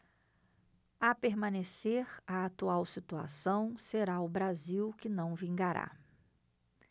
a permanecer a atual situação será o brasil que não vingará